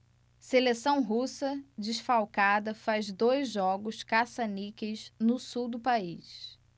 seleção russa desfalcada faz dois jogos caça-níqueis no sul do país